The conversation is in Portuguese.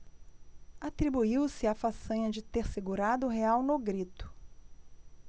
atribuiu-se a façanha de ter segurado o real no grito